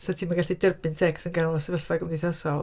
'Set ti ddim yn gallu derbyn tecst yn ganol sefyllfa gymdeithasol.